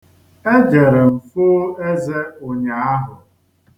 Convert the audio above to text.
E jere foo eze ụnyaahụ.